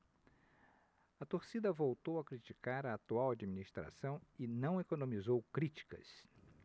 a torcida voltou a criticar a atual administração e não economizou críticas